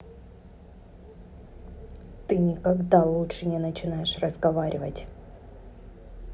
ты никогда лучше не начнешь разговаривать